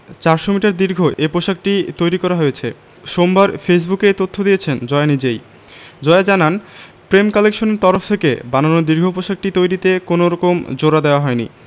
৪০০ metre দীর্ঘ এ পোশাকটি তৈরি করা হয়েছে সোমবার ফেসবুকে এ তথ্য দিয়েছেন জয়া নিজেই জয়া জানান প্রেম কালেকশন এর তরফ থেকে বানানো দীর্ঘ পোশাকটি তৈরিতে কোনো রকম জোড়া দেয়া হয়নি